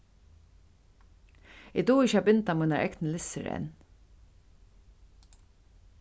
eg dugi ikki at binda mínar egnu lissur enn